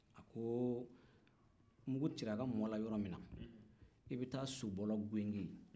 a ko mugucira a ka mɔgɔw la yɔrɔ min na i bɛ ta sobɔlɔ gingin